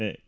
eyy